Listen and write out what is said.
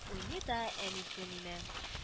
Уйный да әнисен имә